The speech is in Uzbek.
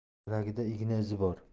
bilagida igna izi bor